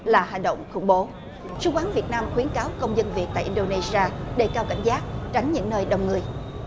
là hành động khủng bố sứ quán việt nam khuyến cáo công dân việt tại in đô nê si a đề cao cảnh giác tránh những nơi đông người